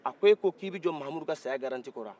a ko ko e ko e bɛ jɔ mahamudu ka saya garanti kɔrɔ